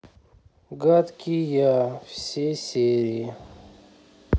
гадкий я все серии